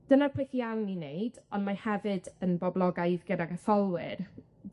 Dyna'r peth iawn i wneud, on' mae hefyd yn boblogaidd gydag etholwyr.